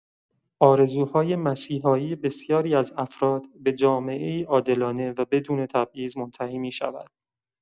آرزوهای مسیحایی بسیاری از افراد، به جامعه‌ای عادلانه و بدون تبعیض منتهی می‌شود.